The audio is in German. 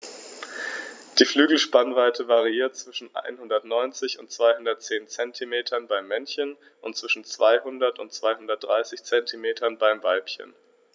Die Flügelspannweite variiert zwischen 190 und 210 cm beim Männchen und zwischen 200 und 230 cm beim Weibchen.